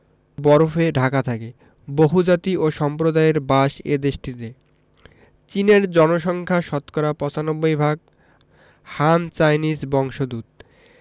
বরফে ঢাকা থাকে বহুজাতি ও সম্প্রদায়ের বাস এ দেশটিতে চীনের জনসংখ্যা শতকরা ৯৫ ভাগ হান চাইনিজ বংশোদূত